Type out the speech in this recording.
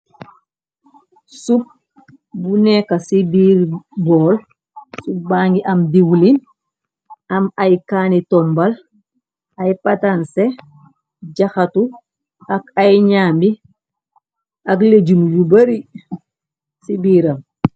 Soup bu neka cii birr bowl, soup bangy am diwlin, am aiiy kaaneh tombal, aiiy patanseh, jahatu ak aiiy njambi, ak legume yu bari cii biram.